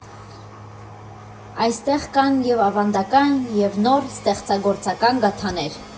Այստեղ կան և՛ ավանդական, և՛ նոր, ստեղծագործական գաթաներ։